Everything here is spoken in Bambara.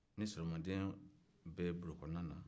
nin solomaden bɛ bulon kɔnɔna na